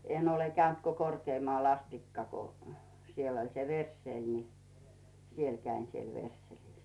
en ole käynyt kuin Korkeamaalla asti kun siellä oli se versseli niin siellä kävin siellä versselissä